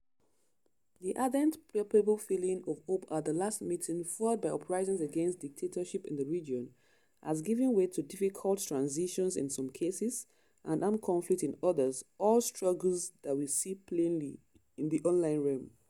The ardent, palpable feeling of hope at the last meeting, fueled by uprisings against dictatorships in the region, has given way to difficult transitions in some cases and armed conflict in others, all struggles that we see plainly in the online realm.